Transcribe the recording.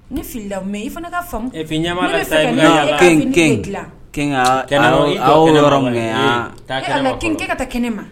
Ne lam mɛ i fana ka kin kin kin ka taa kɛnɛ ne ma